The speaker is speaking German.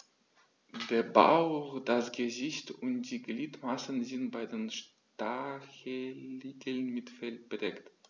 Der Bauch, das Gesicht und die Gliedmaßen sind bei den Stacheligeln mit Fell bedeckt.